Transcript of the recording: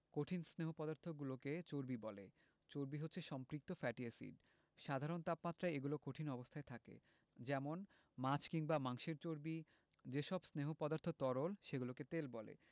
কঠিন স্নেহ পদার্থগুলোকে চর্বি বলে চর্বি হচ্ছে সম্পৃক্ত ফ্যাটি এসিড সাধারণ তাপমাত্রায় এগুলো কঠিন অবস্থায় থাকে যেমন মাছ কিংবা মাংসের চর্বি যেসব স্নেহ পদার্থ তরল সেগুলোকে তেল বলে